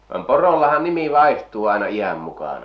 vaan porollahan nimi vaihtuu aina iän mukana